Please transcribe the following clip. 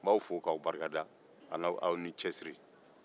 n b'a' fo k'aw barikada